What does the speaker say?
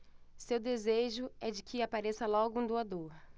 seu desejo é de que apareça logo um doador